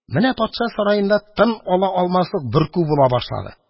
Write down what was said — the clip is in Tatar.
Менә патша сараенда тын ала алмаслык бөркү була башлады.